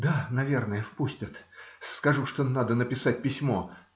"Да, наверно, впустят, скажу, что надо написать письмо.